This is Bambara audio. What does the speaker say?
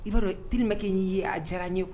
I'a dɔn teribakɛ y'i ye a diyara n ye koyi